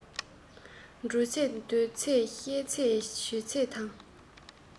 འགྲོ ཚོད སྡོད ཚོད བཤད ཚོད བྱེད ཚོད དང